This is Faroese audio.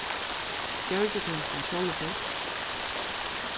gjørdi tú hetta sjálvur